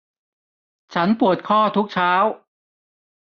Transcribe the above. ฉันปวดข้อทุกเช้า